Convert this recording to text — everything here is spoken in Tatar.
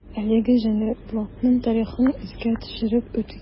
Әлеге җәнҗалның тарихын искә төшереп үтик.